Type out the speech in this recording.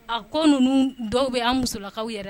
A kɔ ninnu dɔw bɛ' musolakaw yɛrɛ